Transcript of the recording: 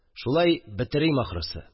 Шулай бетерим, ахрысы